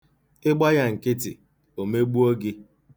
Ị gba ya nkịtị, o megbuo gị.